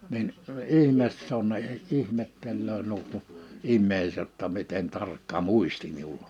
niin ihme se on ne ihmettelee nuo kun ihmiset jotta miten tarkka muisti minulla on